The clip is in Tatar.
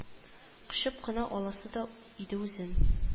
Кочып кына аласы да иде үзен